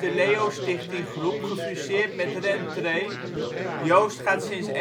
Leo Stichting Groep (LSG) gefuseerd met Rentray. Joozt gaat sinds